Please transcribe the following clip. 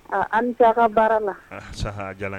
An taara ka baara la